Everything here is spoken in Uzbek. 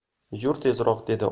yur tezroq dedi